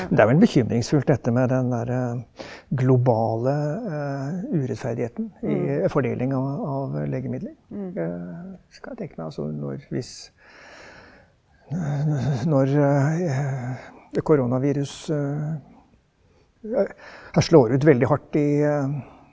det er vel bekymringsfullt dette med den derre globale urettferdigheten i fordeling av av legemidler skal jeg tenke meg, altså når hvis når koronaviruset har slår ut veldig hardt i .